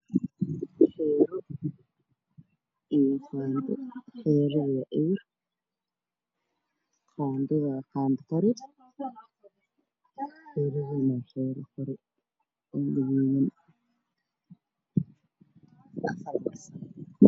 Meeshan waxaa iga muuqda weel gadoodan oo ka sameysan geedka si ay jaal